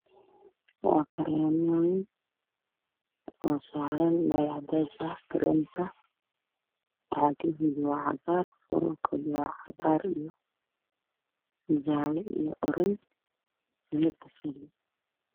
Waa kareemo oo saaran meel cadees ah midabkooda waa cagaar jaale iyo orange